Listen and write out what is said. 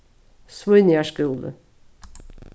svínoyar skúli